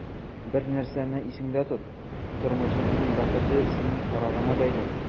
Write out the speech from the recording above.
Бер нәрсәне исеңдә тот: тормышыңның бәхете синең карарыңа бәйле.